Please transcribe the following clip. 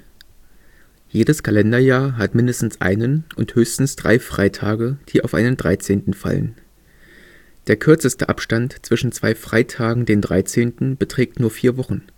Jedes Kalenderjahr hat mindestens einen und höchstens drei Freitage, die auf einen Dreizehnten fallen. Der kürzeste Abstand zwischen zwei Freitagen den 13. beträgt nur vier Wochen